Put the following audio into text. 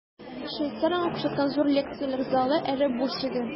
Швейцар аңа күрсәткән зур лекцияләр залы әле буш иде.